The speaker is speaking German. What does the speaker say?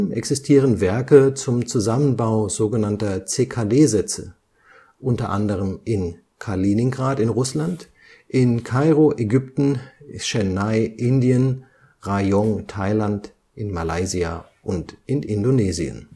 existieren Werke zum Zusammenbau sogenannter CKD-Sätze u. a. in Kaliningrad (Russland), Kairo (Ägypten), Chennai (Indien), Rayong (Thailand), Malaysia und Indonesien